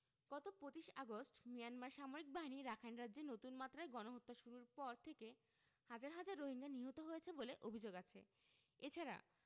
গত ২৫ August Myanmar সামরিক বাহিনী রাখাইন রাজ্যে নতুন মাত্রায় গণহত্যা শুরুর পর থেকে হাজার হাজার রোহিঙ্গা নিহত হয়েছে বলে অভিযোগ আছে এ ছাড়া